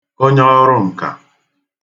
onye ọrụnkà